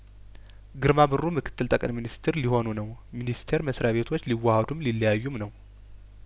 ግርማ ብሩ ምክትል ጠቅላይ ሚኒስትር ሊሆኑ ነው ሚኒስቴር መስሪያቤቶች ሊዋሀዱም ሊለያዩም ነው